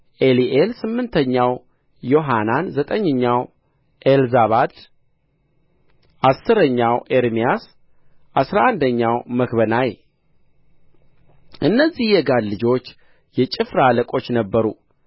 ኤሊኤል ስምንተኛው ዮሐናን ዘጠነኛው ኤልዛባድ አሥረኛው ኤርምያስ አሥራ አንደኛው መክበናይ እነዚህ የጋድ ልጆች የጭፍራ አለቆች ነበሩ